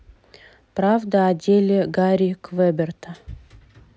правда о деле гарри квеберта